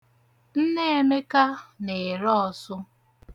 Nne Emeka na-ere ọsụ.